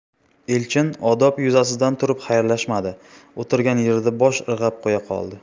elchin odob yuzasidan turib xayrlashmadi o'tirgan yerida bosh irg'ab qo'ya qoldi